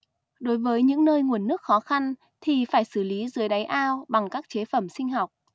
đối với những nơi nguồn nước khó khăn thì phải xử lý dưới đáy ao bằng các chế phẩm sinh học